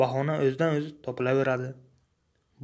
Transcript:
bahona o'zidan o'zi topilaveradi